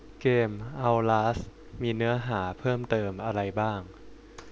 เกมเอ้าลาสมีเนื้อหาเพิ่มเติมอะไรบ้าง